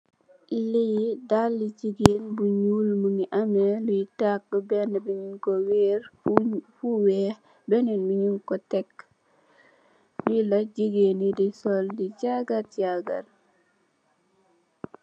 Lii daali gigain bu njull mungy ameh lui taaku, benu bii njung kor wehrre fu, fu wekh, benen bi njung kor tek, lila gigain njee dii sol di jagarre jagarre.